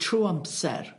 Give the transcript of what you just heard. trw amser.